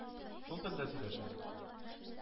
Шул телдә сөйләшә.